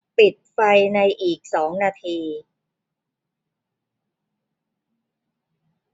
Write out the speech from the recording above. ปิดไฟในอีกสองนาที